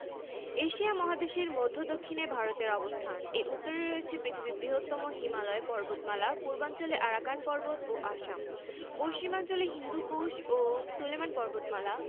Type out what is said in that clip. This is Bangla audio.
সূর্য থেকে গ্রহগুলো দূরত্ব অনুযায়ী পর পর যেভাবে রয়েছে তা হলো বুধ শুক্র পৃথিবী মঙ্গল বৃহস্পতি শনি ইউরেনাস এবং নেপচুন গ্রহদের মধ্যে সবচেয়ে বড় বৃহস্পতি এবং ছোট বুধ